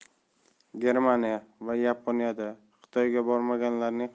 germaniya va yaponiyada xitoyga bormaganlarning